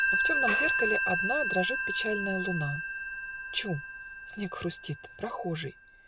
Но в темном зеркале одна Дрожит печальная луна. Чу. снег хрустит. прохожий